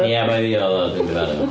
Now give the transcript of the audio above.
Ia bai fi oedd o, dwi'n difaru wan.